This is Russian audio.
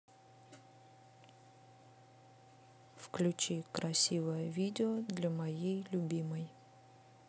включи красивое видео для моей любимой